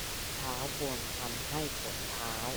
เท้าบวมทำให้ปวดเท้า